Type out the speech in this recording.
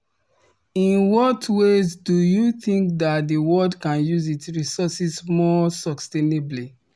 In what ways do you think that the world can use its resources more sustainably?